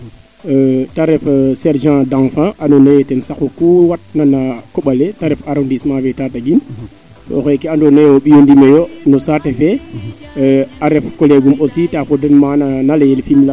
te ref Sergent d' enfant ando naye ten saqu ku watna na koɓale te ref arrodissement fe Tataguine oxeeke ando naye a mbiyi ndime yoo no saate fe a ref collegue um aussi ta fadel maana na leyel Fimela